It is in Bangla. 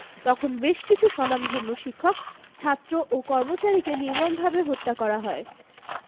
তখন বেশ কিছু স্বনামধন্য শিক্ষক ছাত্র ও কর্মচারীকে নির্মমভাবে হত্যা করা হয়